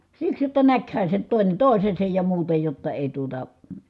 siksi jotta näkihän se nyt toinen toisensa ja muuta jotta ei tuota